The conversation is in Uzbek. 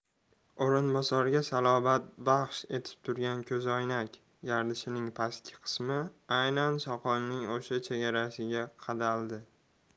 o'rinbosarga salobat baxsh etib turgan ko'zoynak gardishining pastki qismi aynan soqolning o'sha chegarasiga qadaladi